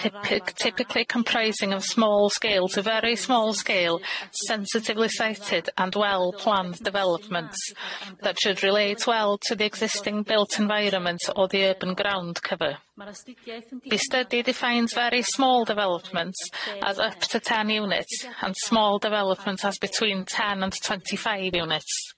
typig- typically comprising of small scale to very small scale, sensitively sighted and well-planned developments, that should relate well to the existing built environment or the urban ground cover. The study defines very small developments as up to ten units, and small developments as between ten and twenty five units.